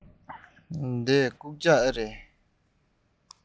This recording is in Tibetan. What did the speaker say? འདི རྐུབ བཀྱག རེད པས